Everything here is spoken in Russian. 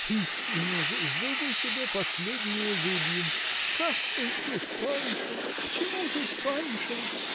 -- Пить не могу: зубы себе последние выбью. Какой тут Паншин? К чему тут Паншин?